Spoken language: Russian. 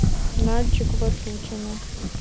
нальчик ватутина